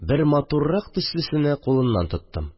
Бер матуррак төслесене кулыннан тоттым